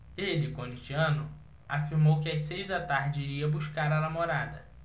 ele corintiano afirmou que às seis da tarde iria buscar a namorada